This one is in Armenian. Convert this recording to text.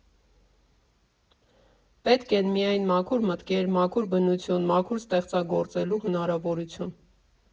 Պետք են միայն մաքուր մտքեր, մաքուր բնություն, մաքուր ստեղծագործելու հնարավորություն։